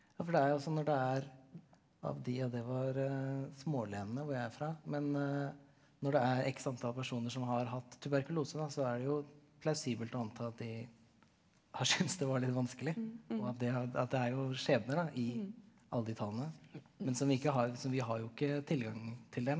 for det er jo sånn når det er av de og det var smålenene hvor jeg er fra men når det er X antall personer som har hatt tuberkulose da så er det jo plausibelt å anta at de har synes det var litt vanskelig og at det har at det er jo skjebner da i alle de tallene men som vi ikke har som vi har jo ikke tilgang til dem.